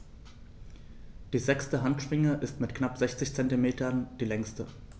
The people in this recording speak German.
Die sechste Handschwinge ist mit knapp 60 cm die längste.